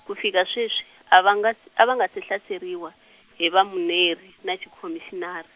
ku fika sweswi, a va nga, a va nga se hlaseriwa, hi vamuneri na Khomixinari.